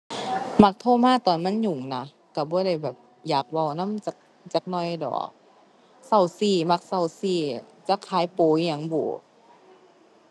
มันโทรมาตอนมันยุ่งน่ะ ก็บ่ได้แบบอยากเว้านำจัก จักน้อยดอก เซ้าซี้มักเซ้าซี้ จักขายโปรอิหยังบุ